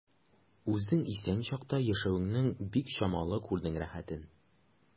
Үзең исән чакта яшәвеңнең бик чамалы күрдең рәхәтен.